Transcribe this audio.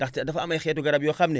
ndaxte dafa am ay xeetu garab yoo xam ne